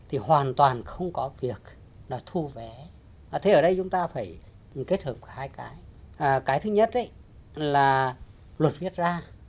thì hoàn toàn không có việc là thu vé đã thế ở đây chúng ta phải nhiều kết hợp hai cái ờ cái thứ nhất ấy là luật viết ra